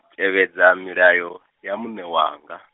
tevhedza milayo, ya muṋe wanga.